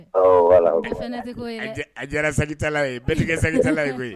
A diyara satala ye bɛɛjɛla ye koyi